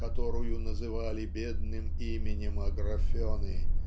которую называли бедным именем Аграфены